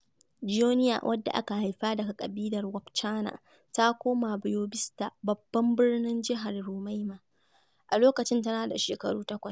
Joenia wadda aka haifa daga ƙabilar Wapchana, ta koma Boa ɓista, babban birnin jihar Roraima, a lokacin tana da shekaru takwas.